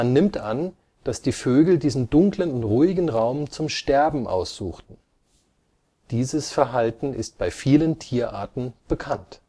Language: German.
nimmt an, dass die Vögel diesen dunklen und ruhigen Raum zum Sterben aussuchten. Dieses Verhalten ist bei vielen Tierarten bekannt